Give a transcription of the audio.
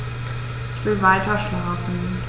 Ich will weiterschlafen.